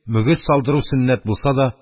Мөгез салдыру сөннәт булса да